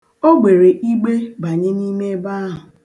O gbere igbe banye n'ime ebe ahụ.